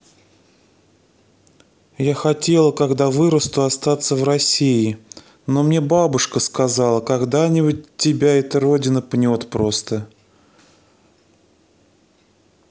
я хотела когда вырасту остаться в россии но мне бабушка сказала когда нибудь тебя это родина пнет просто